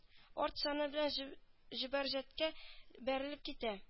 Арт саны белән зөб зөбәрҗәткә бәрелеп китә